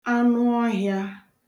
anụọhịā